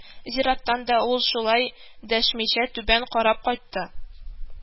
Зираттан да ул шулай дәшмичә түбән карап кайтты